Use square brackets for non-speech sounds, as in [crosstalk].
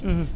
[hesitation] [hesitation]